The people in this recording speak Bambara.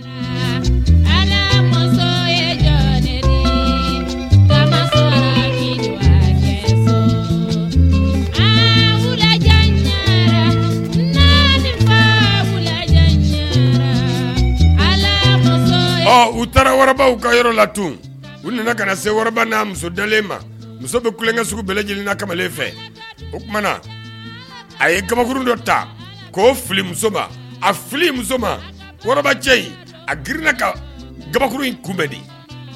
U taaraw ka yɔrɔ la tun u nana ka na se n'a muso dalen ma muso bɛ kukɛ sugu bɛɛ lajɛlenna kamalen fɛ o tumaumana a ye kabakuru dɔ ta k' fili musoba a fili muso makɔrɔba cɛ in a girinina kan kabakuru in kunbɛn de